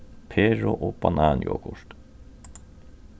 peru og banan jogurt